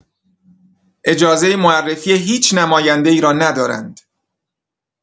اجازه معرفی هیچ نماینده‌ای را ندارند؛